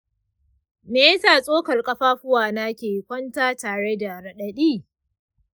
me yasa tsokar ƙafafuwana ke ƙwanta tare da raɗaɗi?